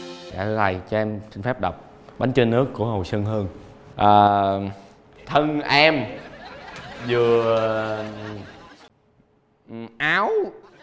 dạ thưa thầy cho em xin phép đọc bánh trôi nước của hồ xuân hương ơ thân em vừa áo